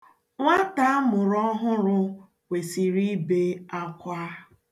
Nwata a mụrụ ọhụrụ kwesịrị ibe akwa.